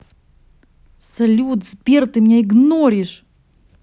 салют сбер ты меня игноришь